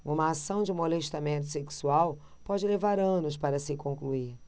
uma ação de molestamento sexual pode levar anos para se concluir